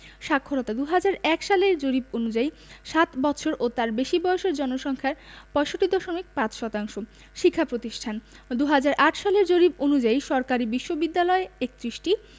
সাক্ষরতাঃ ২০০১ সালের জরিপ অনুযায়ী সাত বৎসর ও তার বেশি বয়সের জনসংখ্যার ৬৫.৫ শতাংশ শিক্ষাপ্রতিষ্ঠানঃ ২০০৮ সালের জরিপ অনুযায়ী সরকারি বিশ্ববিদ্যালয় ৩১টি